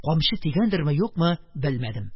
Камчы тигәндерме, юкмы, белмәдем...